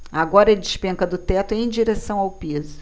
agora ele despenca do teto em direção ao piso